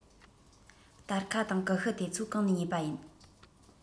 སྟར ཁ དང ཀུ ཤུ དེ ཚོ གང ནས ཉོས པ ཡིན